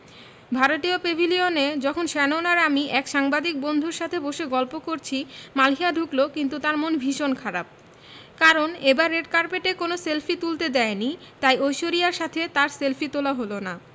ভারতীয় প্যাভিলিয়নে যখন শ্যানন আর আমি এক সাংবাদিক বন্ধুর সাথে বসে গল্প করছি মালিহা ঢুকলো কিন্তু তার মন ভীষণ খারাপ কারণ এবার রেড কার্পেটে কোনো সেলফি তুলতে দেয়নি তাই ঐশ্বরিয়ার সাথে তার সেলফি তোলা হলো না